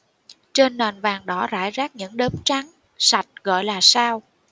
trên nền vàng đỏ rải rác những đốm trắng sạch gọi là sao